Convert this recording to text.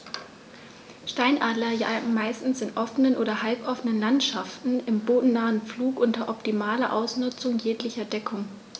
Steinadler jagen meist in offenen oder halboffenen Landschaften im bodennahen Flug unter optimaler Ausnutzung jeglicher Deckung.